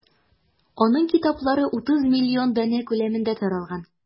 Аның китаплары 30 миллион данә күләмендә таралган.